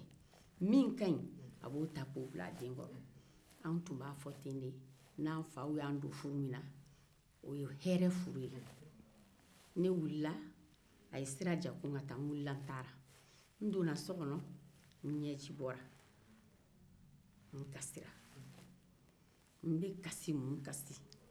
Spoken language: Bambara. anw tun b'a fɔ ten de n'an faw y'an don furu min na o ye hɛɛrɛ furu ye a ye sira di yan ko n ka taa n wulila n taara n donna so kɔnɔ n ɲɛji bɔra n kasira n bɛ mun kasi la